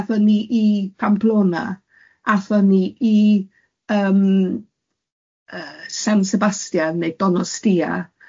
aethon ni i Pamplona, aethon ni i yym yy San Sebastian neu Donostia.